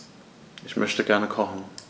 Ich möchte gerne kochen.